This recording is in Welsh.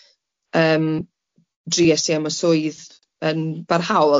yym dries i am y swydd yn barhaol.